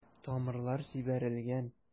Тамырлар җибәрелгән.